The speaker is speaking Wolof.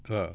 waaw